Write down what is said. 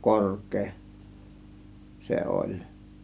korkea se oli